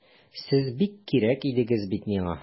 Сез бик кирәк идегез бит миңа!